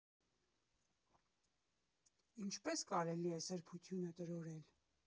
Ինչպե՞ս կարելի է սրբությունը տրորել։